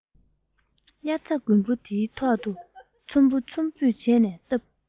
དབྱར རྩྭ དགུན འབུ དེའི ཐོག ཏུ ཚོམ བུ ཚོམ བུར བྱས ནས བསྐམས